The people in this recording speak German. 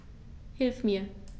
Hilf mir!